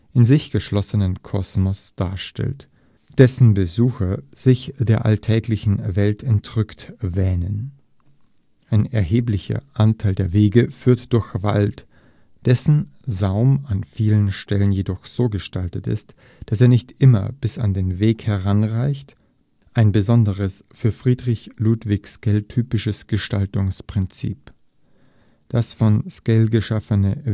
in sich geschlossenen Kosmos darstellt, dessen Besucher sich der alltäglichen Welt entrückt wähnen. Ein erheblicher Anteil der Wege führt durch Wald, dessen Saum an vielen Stellen jedoch so gestaltet ist, dass er nicht immer bis an den Weg heranreicht: ein besonderes, für Friedrich Ludwig Sckell typisches Gestaltungsprinzip. Das von Sckell geschaffene Wegesystem